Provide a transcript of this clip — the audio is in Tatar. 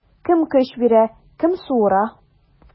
Кем көч бирә, кем суыра.